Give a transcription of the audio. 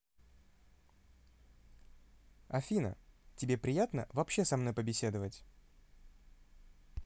афина тебе приятно вообще со мной побеседовать